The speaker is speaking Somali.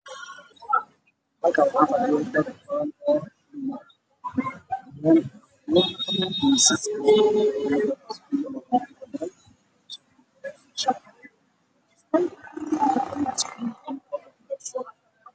Waa hool waxaa iskugu imaaday naago